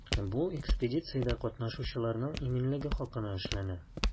Бу экспедициядә катнашучыларның иминлеге хакына эшләнә.